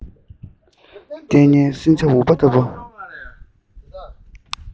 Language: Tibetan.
ལྟས ངན སྲིན བྱ འུག པ ལྟ བུ